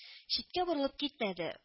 Читкә борылып китмәде